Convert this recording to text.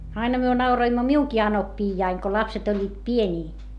aina me nauroimme minunkin anoppiani kun lapset olivat pieniä